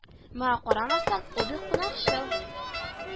Моңа карамастан, ул бик кунакчыл